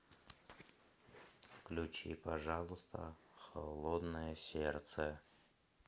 включи пожалуйста холодное сердце два